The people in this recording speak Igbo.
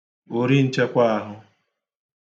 òri nchekwa ahụ̄